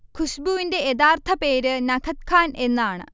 ഖുശ്ബുവിന്റെ യഥാർഥ പേര് നഖത് ഖാൻ എന്നാണ്